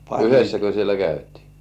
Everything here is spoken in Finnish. yhdessäkö siellä käytiin